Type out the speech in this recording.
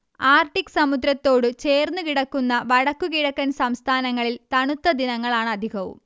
Arctic സമുദ്രത്തോട് ചേർന്നുകിടക്കുന്ന വടക്കു കിഴക്കൻ സംസ്ഥാനങ്ങളിൽ തണുത്ത ദിനങ്ങളാണധികവും